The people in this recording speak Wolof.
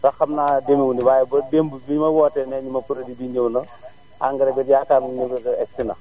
sax xam naa demee wu ni waaye ba démb bi ma woote neenañu ma produit bi ñëw na engrais bi it yaakaar nañu ne àggsi na